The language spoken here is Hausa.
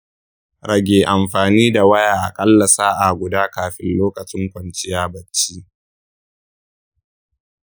rage amfani da waya aƙalla sa'a guda kafin lokacin kwanciya barci.